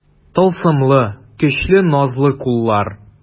Тылсымлы, көчле, назлы куллар.